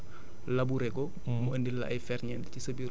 nga ñëw xëpp ko ca tool ba labouré ko